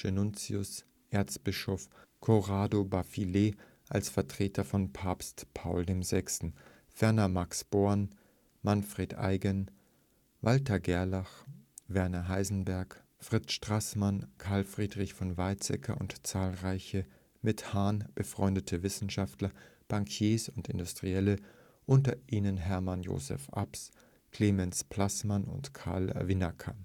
Nuntius Erzbischof Corrado Bafile als Vertreter von Papst Paul VI., ferner Max Born, Manfred Eigen, Walther Gerlach, Werner Heisenberg, Fritz Strassmann, Carl Friedrich von Weizsäcker und zahlreiche mit Hahn befreundete Wissenschaftler, Bankiers und Industrielle, unter ihnen Hermann Josef Abs, Clemens Plassmann und Karl Winnacker